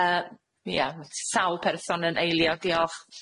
Yy ia sawl person yn eilio diolch.